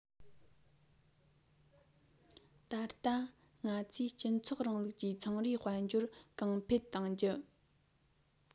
ད ལྟ ང ཚོས སྤྱི ཚོགས རིང ལུགས ཀྱི ཚོང རའི དཔལ འབྱོར གོང འཕེལ གཏོང རྒྱུ